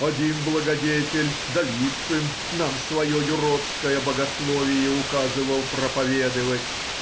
Один благодетель, Голицын, нам свое юродское богословие указывал проповедовать